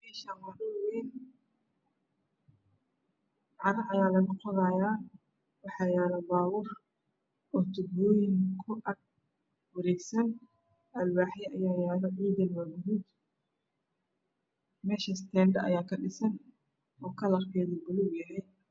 Meeshaani waa dhul weyn carro ayaa Laga qodayaa, waxaa yaalo baabuur oo tubooyin ku ag wareegsan alwaaxyo ayaa yaalo dhoogeyd waa gaduud meeshaas teendho ayaa ka dhisan oo kararkeeda gaduud yahay.